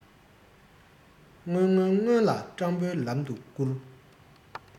སྔོན སྔོན སྔོན ལ སྤྲང པོའི ལམ ཏུ སྐུར